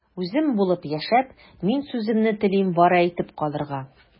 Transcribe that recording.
Үзем булып яшәп, мин сүземне телим бары әйтеп калырга...